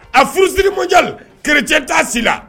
A furusirimoja kerec' si la